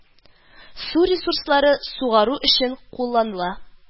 Су ресурслары сугару өчен кулланыла